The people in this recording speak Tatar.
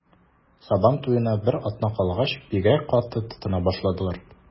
Сабан туена бер атна калгач, бигрәк каты тотына башладылар.